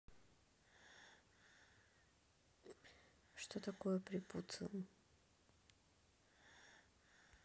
что такое препуциум